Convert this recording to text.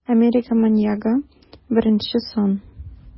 Америка маньягы № 1